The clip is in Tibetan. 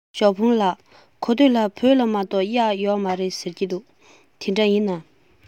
ཞའོ ཧྥུང ལགས གོ ཐོས ལ བོད ལྗོངས མ གཏོགས གཡག ཡོད མ རེད ཟེར གྱིས དེ འདྲ ཡིན ན